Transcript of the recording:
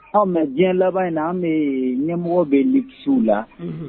Anw mɛ diɲɛ laban in na an bɛ ɲɛmɔgɔ bɛ suw la